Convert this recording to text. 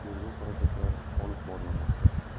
harakatlari olib borilmoqda